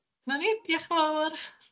'Na ni, diolch fowr.